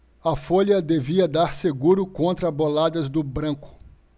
a folha devia dar seguro contra boladas do branco